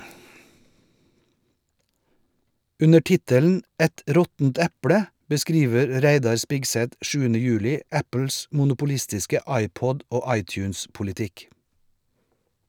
Under tittelen "Et råttent eple" beskriver Reidar Spigseth 7. juli Apples monopolistiske iPod- og iTunes-politikk.